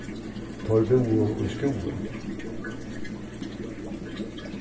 teir búðu í skúvoy